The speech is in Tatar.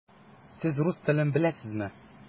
Сез рус телен беләсезме?